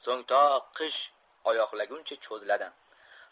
so'ng to qish oyoqlaguncha cho'ziladi